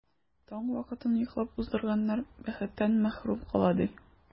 Таң вакытын йоклап уздырганнар бәхеттән мәхрүм кала, ди.